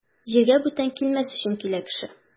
Җиргә бүтән килмәс өчен килә кеше.